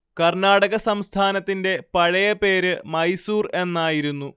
കർണാടക സംസ്ഥാനത്തിന്റെ പഴയ പേര് മൈസൂർ എന്നായിരുന്നു